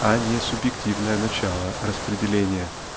а не субъективное начало распределения.